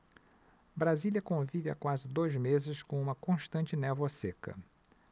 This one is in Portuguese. brasília convive há quase dois meses com uma constante névoa seca